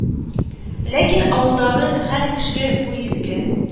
Ләкин авылдагы һәр кеше бу изге,